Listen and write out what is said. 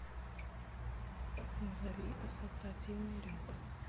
назови ассоциативный ряд